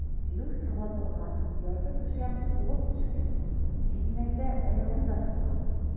Люстра ватылган, ярты түшәм кубып төшкән, җитмәсә, аягым да сынган.